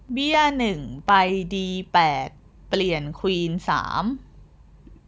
เบี้ยหนึ่งไปดีแปดเปลี่ยนควีนสาม